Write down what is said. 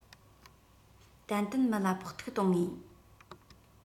ཏན ཏན མི ལ ཕོག ཐུག གཏོང ངེས